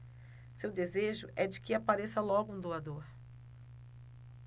seu desejo é de que apareça logo um doador